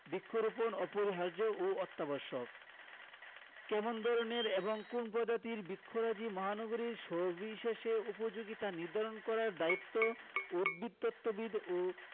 বৃক্ষরোপণ অপরিহার্য ও অত্যাবশ্যক কেমন ধরনের এবং কোন্ প্রজাতির বৃক্ষরাজি মহানগরীর সবিশেষ উপযোগী তা নির্ধারণ করার দায়িত্ব উদ্ভিদতত্ত্ববিদ ও